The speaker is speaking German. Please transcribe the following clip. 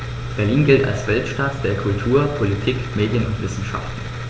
Berlin gilt als Weltstadt[9] der Kultur, Politik, Medien und Wissenschaften.